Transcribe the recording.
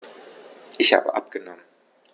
Ich habe abgenommen.